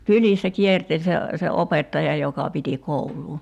kylissä kierteli se se opettaja joka piti koulua